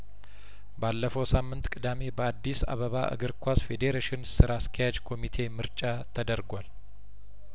ባለፈው ሳምንት ቅዳሜ በአዲስ አበባ እግር ኳስ ፌዴሬሽን ስራ አስኪያጅ ኮሚቴ ምርጫ ተደርጓል